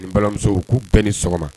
Ni balimamuso'u bɛɛ ni sɔgɔma